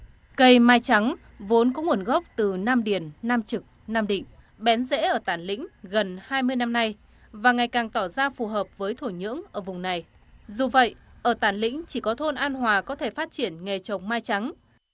cây mai trắng vốn có nguồn gốc từ nam điền nam trực nam định bén rễ ở tản lĩnh gần hai mươi năm nay và ngày càng tỏ ra phù hợp với thổ nhưỡng ở vùng này dù vậy ở tản lĩnh chỉ có thôn an hòa có thể phát triển nghề trồng mai trắng